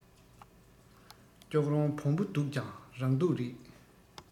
ལྕོག རོང བོང བུ སྡུག ཀྱང རང སྡུག རེད